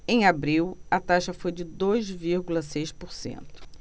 em abril a taxa foi de dois vírgula seis por cento